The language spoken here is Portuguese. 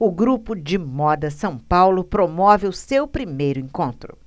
o grupo de moda são paulo promove o seu primeiro encontro